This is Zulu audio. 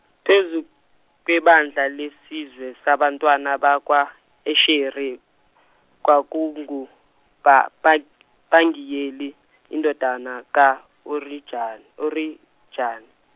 phezu kwebandla lesizwe sabantwana bakwa, Eshere, kwakungu Pa- Pa- Pangiyeli indodana ka- Orijane, Orijane.